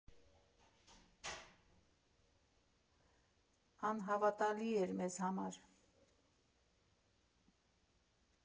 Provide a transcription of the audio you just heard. Անհավատալի էր մեզ համար։